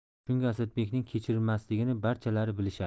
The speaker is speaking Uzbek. chunki asadbekning kechirmasligini barchalari bilishadi